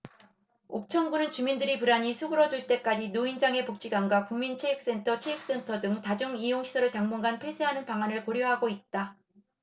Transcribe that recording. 옥천군은 주민들의 불안이 수그러들 때까지 노인장애인복지관과 국민체육센터 체육센터 등 다중 이용시설을 당분간 폐쇄하는 방안을 고려하고 있다